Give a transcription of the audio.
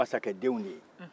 ninnu ye masakɛdenw de ye